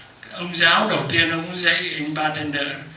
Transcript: ông giáo đầu tiên ông dậy ba ten đơ